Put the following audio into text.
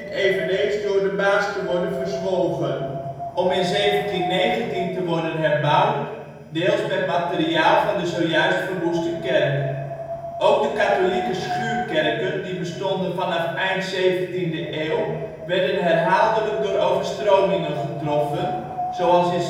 eveneens door de Maas te worden verzwolgen, om in 1719 te worden herbouwd, deels met materiaal van de zojuist verwoeste kerk. Ook de katholieke schuurkerken, die bestonden vanaf eind 17e eeuw, werden herhaaldelijk door overstromingen getroffen, zoals in